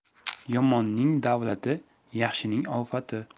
yomonning davlati yaxshining ofati